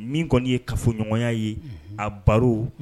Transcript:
Min kɔni ye kafoɲɔgɔnya ye a baro